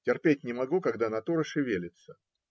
Терпеть не могу, когда натура шевелится.